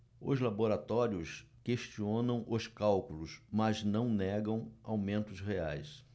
os laboratórios questionam os cálculos mas não negam aumentos reais